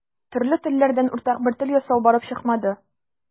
Төрле телләрдән уртак бер тел ясау барып чыкмады.